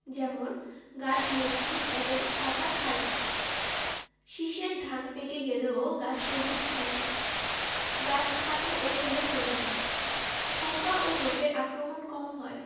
যেমন গাছ মজবুত এবং পাতা খাড়া শীষের ধান পেকে গেলেও গাছ সবুজ থাকে গাছ খাটো ও হেলে পড়ে না পোকা ও রোগের আক্রমণ কম হয়